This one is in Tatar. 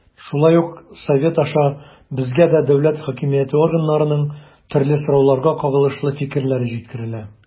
Шулай ук Совет аша безгә дә дәүләт хакимияте органнарының төрле сорауларга кагылышлы фикерләре җиткерелә.